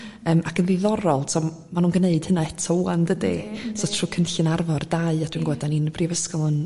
yym ac yn ddiddorol t'wo ma' nw'n gneud hynna eto 'wan dydi so trw cynllun ARFOR dau a dwi'n gwbod 'da ni'n Brifysgol yn